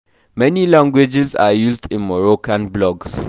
Many languages are used in the Moroccan blogs.